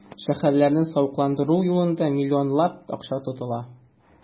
Шәһәрләрне савыкландыру юлында миллионлап акча тотыла.